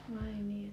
vai niin